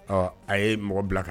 Ɔ a ye mɔgɔ bila kan